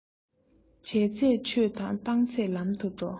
བྱས ཚད ཆོས དང བཏང ཚད ལམ ལ འགྲོ